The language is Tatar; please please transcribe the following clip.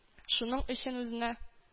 Шуның өчен үзенә